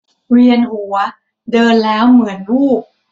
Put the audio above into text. เวียนหัวเดินแล้วเหมือนวูบ